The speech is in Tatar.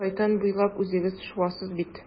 Шайтан буйлап үзегез шуасыз бит.